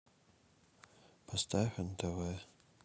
поставь нтв